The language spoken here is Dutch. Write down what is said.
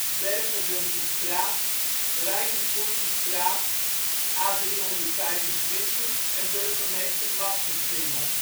Bergerdensestraat, Rijkerswoerdsestraat, A325 en Burgemeester Matsersingel